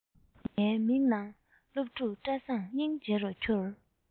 ངའི མིག ནང སློབ ཕྲུག བཀྲ བཟང སྙིང རྗེ རུ གྱུར